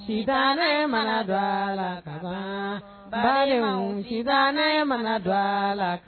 San ne manada la balimatan ne manada la